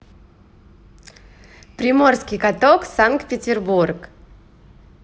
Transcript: приморский каток санкт петербург